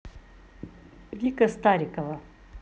вика старикова